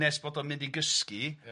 nes bod o'n mynd i gysgu... Ia...